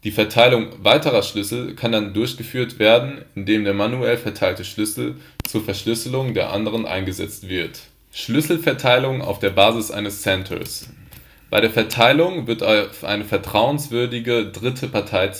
Verteilung weiterer Schlüssel kann dann durchgeführt werden, indem der manuell verteilte Schlüssel zur Verschlüsselung der anderen eingesetzt wird. Schlüsselverteilung auf der Basis eines Centers Bei der Verteilung wird auf eine vertrauenswürdige dritte Partei